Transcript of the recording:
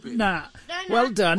Na, weld done.